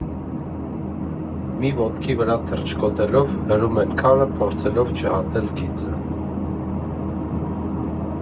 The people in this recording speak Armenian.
Մի ոտքի վրա թռչկոտելով՝ հրում են քարը՝ փորձելով չհատել գիծը։